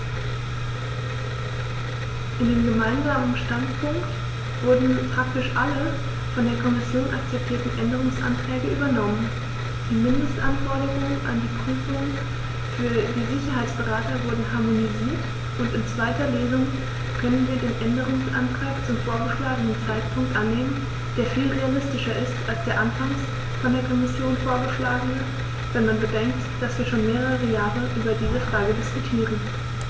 In den gemeinsamen Standpunkt wurden praktisch alle von der Kommission akzeptierten Änderungsanträge übernommen, die Mindestanforderungen an die Prüfungen für die Sicherheitsberater wurden harmonisiert, und in zweiter Lesung können wir den Änderungsantrag zum vorgeschlagenen Zeitpunkt annehmen, der viel realistischer ist als der anfangs von der Kommission vorgeschlagene, wenn man bedenkt, dass wir schon mehrere Jahre über diese Frage diskutieren.